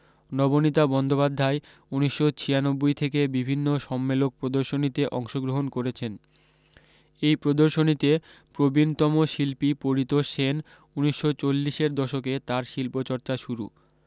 নবনীতা বন্দ্যোপাধ্যায় উনিশশো ছিয়ানব্বই থেকে বিভিন্ন সম্মেলক প্রদর্শনীতে অংশ গ্রহন করছেন এই প্রদর্শনীতে প্রবীণতম শিল্পী পরিতোষ সেন উনিশশো চল্লিশের দশকে তার শিল্পচর্চা শুরু